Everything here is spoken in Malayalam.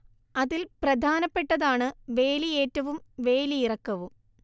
അതിൽ പ്രധാനപ്പെട്ടതാണ് വേലിയേറ്റവും വേലിയിറക്കവും